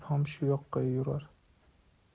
ham shu yoqqa yurar